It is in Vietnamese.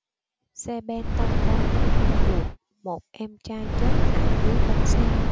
xe ben tông ba anh em ruột một em trai chết thảm dưới bánh xe